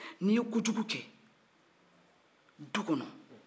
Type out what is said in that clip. ni ye kojugu kɛ du kɔnɔ